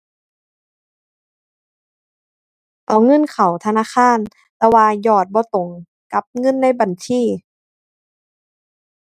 เอาเงินเข้าธนาคาร แต่ว่ายอดบ่ตรงกับเงินในบัญชี